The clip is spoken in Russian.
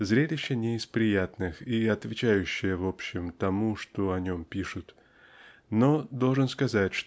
Зрелище не из приятных и отвечающее в общем тому, что о нем пишут. Но должен сказать